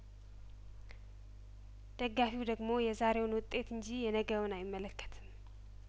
ደጋፊው ደግሞ የዛሬውን ውጤት እንጂ የነገውን አይመለከትም